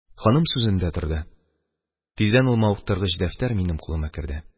Ханым сүзендә торды – тиздән ул мавыктыргыч дәфтәр минем кулыма керде.